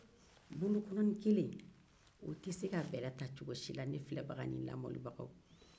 bolokɔnnin kelen tɛ se ka bɛlɛ ta cogo si la ne filɛbagaw ni n lamɛnbagaw